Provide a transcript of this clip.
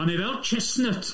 O'n i fel chestnut.